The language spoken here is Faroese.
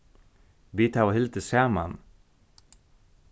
vit hava hildið saman